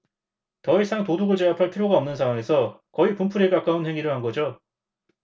더 이상 도둑을 제압할 필요가 없는 상황에서 거의 분풀이에 가까운 행위를 한 거죠